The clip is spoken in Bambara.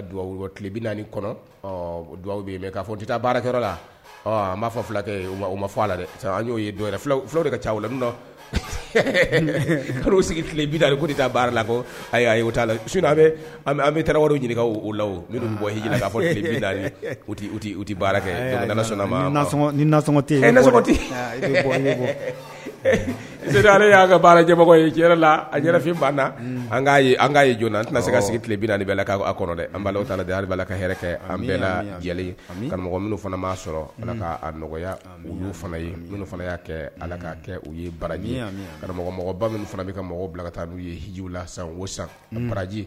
A fɔ baara la a b'a fɔ filakɛ ma fɔ la an y'o ye fulaw de ka ca sigi taa baara la ayi la a an bɛ tarawele yɔrɔ ɲini o la minnu bɔ u baara kɛ sɔnnamare y'a ka baarajɛmɔgɔla afin banna an' ye jɔn an tɛna se ka sigi tile la b' da' la ka hɛrɛɛ an la karamɔgɔ minnu fana b' sɔrɔ ala nɔgɔya u fana kɛ ala kɛ u ye baara ye karamɔgɔmɔgɔba minnu fana bɛ ka mɔgɔw bila ka taa n'u ye hw la san san faraji